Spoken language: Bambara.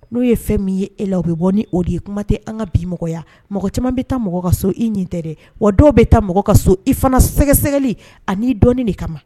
N'o ye fɛn min ye e la o bɛ bɔ ni o de ye kuma tɛ an ka bimɔgɔya mɔgɔ caman bɛ taa mɔgɔ ka so i nin tɛ dɛ wa dɔw bɛ taa mɔgɔ ka so i fana sɛgɛsɛgɛli ani dɔn de kama